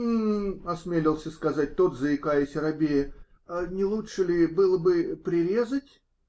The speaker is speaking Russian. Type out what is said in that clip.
-- Гм. -- осмелился сказать тот, заикаясь и робея. -- Не лучше ли. было бы. прирезать?.